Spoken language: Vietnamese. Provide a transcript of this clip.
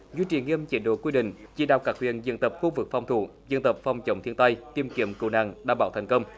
duy trì nghiêm chế độ quy định chỉ đạo các huyện diễn tập khu vực phòng thủ diễn tập phòng chống thiên tai tìm kiếm cứu nạn đảm bảo thành công